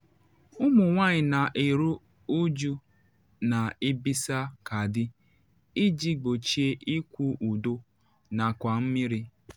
Ụmụ nwanyị na eru uju na ebisa kaadị iji gbochie ịkwụ ụdọ n’akwa mmiri